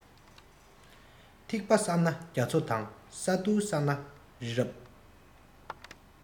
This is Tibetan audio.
ཐིགས པ བསགས ན རྒྱ མཚོ དང ས རྡུལ བསགས ན རི རབ